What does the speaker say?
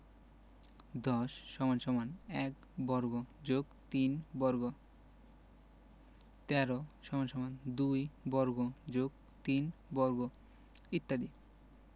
১০ = ১ বর্গ + ৩ বর্গ ১৩ = ২ বর্গ + ৩ বর্গ ইত্যাদি